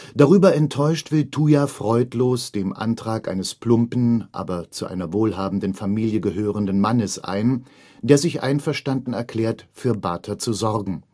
Darüber enttäuscht willigt Tuya freudlos dem Antrag eines plumpen, aber zu einer wohlhabenden Familie gehörenden Mannes ein, der sich einverstanden erklärt, für Bater zu sorgen